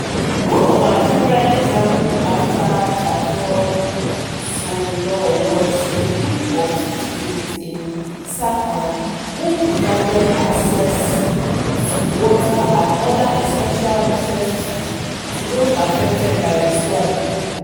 One of our favorite examples after Typhoon Soudelor was a group of citizens in Saipan who provided.access to water and other essential necessities to those affected by the storm.